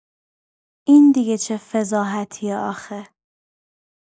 این دیگه چه فضاحتیه آخه؟